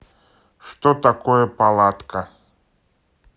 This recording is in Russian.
что такое палатка